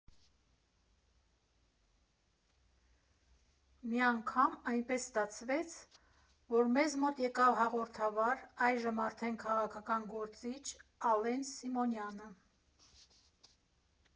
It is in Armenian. Մի անգամ այնպես ստացվեց, որ մեզ մոտ եկավ հաղորդավար, այժմ արդեն քաղաքական գործիչ Ալեն Սիմոնյանը։